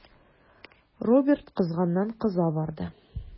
Роберт кызганнан-кыза барды.